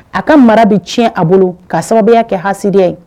A ka mara bɛ tiɲɛ a bolo ka sababu kɛ hadi ye